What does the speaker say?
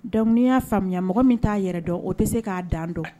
Dɔnkuc y'a faamuya mɔgɔ min t'a yɛrɛ dɔn o tɛ se k'a dan dɔn